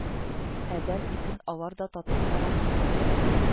Адәм итен алар да татып карасыннар